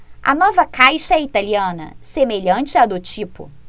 a nova caixa é italiana semelhante à do tipo